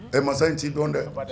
Ɛɛ masa in ci dɔn dɛ